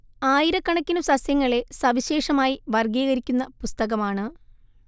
ആയിരക്കണക്കിനു സസ്യങ്ങളെ സവിശേഷമായി വർഗ്ഗീകരിക്കുന്ന പുസ്തകമാണ്